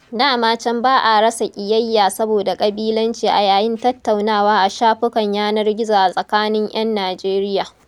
Da ma can ba a rasa ƙiyayya saboda ƙabilanci a yayin tattaunawa a shafukan yanar gizo a tsakanin 'yan Nijeriya